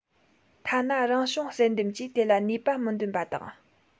ཐ ན རང བྱུང བསལ འདེམས ཀྱིས དེ ལ ནུས པ མི འདོན པ དང